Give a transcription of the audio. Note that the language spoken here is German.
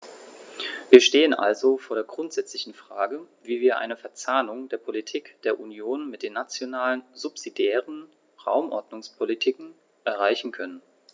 Wir stehen also vor der grundsätzlichen Frage, wie wir eine Verzahnung der Politik der Union mit den nationalen subsidiären Raumordnungspolitiken erreichen können.